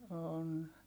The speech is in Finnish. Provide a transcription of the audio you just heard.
on